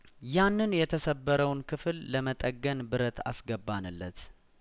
ያንን የተሰበረውን ክፍል ለመጠገን ብረት አስገባንለት